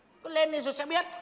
cứ lên đi rồi sẽ biết